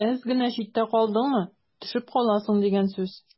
Әз генә читтә калдыңмы – төшеп каласың дигән сүз.